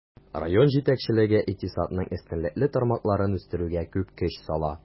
Район җитәкчелеге икътисадның өстенлекле тармакларын үстерүгә күп көч сала.